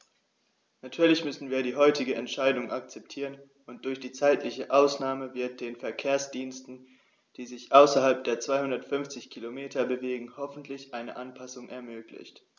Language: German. Natürlich müssen wir die heutige Entscheidung akzeptieren, und durch die zeitliche Ausnahme wird den Verkehrsdiensten, die sich außerhalb der 250 Kilometer bewegen, hoffentlich eine Anpassung ermöglicht.